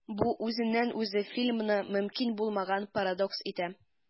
Бу үзеннән-үзе фильмны мөмкин булмаган парадокс итә.